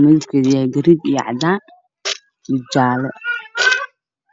ay soo fiirineyso